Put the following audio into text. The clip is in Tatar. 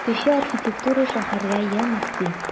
Кече архитектура шәһәргә ямь өсти.